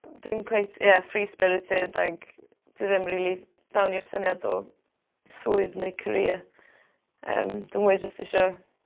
Dwi'n cweit ie free spirited ag dwi ddim rili fewn i'r syniad o swydd neu career. Yym dwi mwy jyst isio